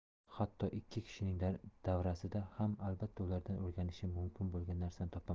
hatto ikki kishining davrasida ham albatta ulardan o'rganishim mumkin bo'lgan narsani topaman